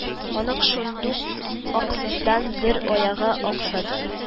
Аның шундук аңсыздан бер аягы аксады